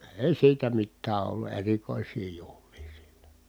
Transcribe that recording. ei siitä mitään ollut erikoisia juhlia sillä